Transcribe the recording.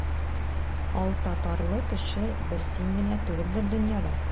Алтатарлы кеше бер син генә түгелдер дөньяда.